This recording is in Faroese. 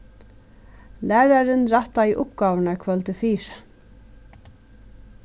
lærarin rættaði uppgávurnar kvøldið fyri